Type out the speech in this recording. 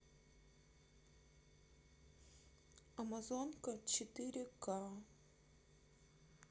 амазонка четыре ка